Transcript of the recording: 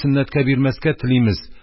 Сөннәткә бирмәскә телимез,